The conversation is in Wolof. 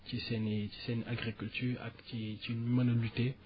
ci seen i ci seen agriculture ak ci ci ci ñu a lutter